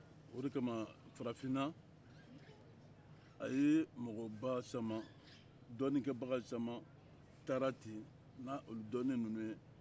o de kama farafinna a ye mɔgɔba caman dɔɔninkɛbaga caman taara ten n'o dɔɔnin ninnu ye